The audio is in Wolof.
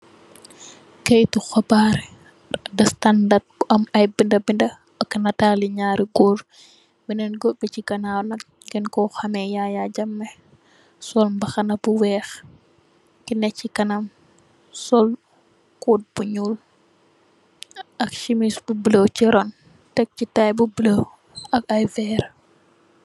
Keyti xibaar da standard bo am ay binda binda ak neetali naari goor benen goor bi si ganaw nak ngen ko ame Yaya Jammeh sol mbahana bu weex ki nex si kanam sol cod bu nuul ak sismi bu bulu si runam tek si tie bu bulu ak ay veerr.